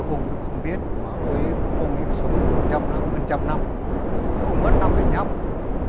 cũng không biết mà ôi ông ấy sống được một trăm năm hơn trăm năm ông mất năm bảy nhăm